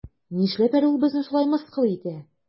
Нишләп әле ул безне шулай мыскыл итә?